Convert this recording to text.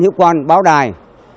báo đài